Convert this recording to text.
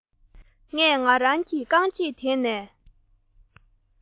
ངས ང རང གི རྐང རྗེས དེད ནས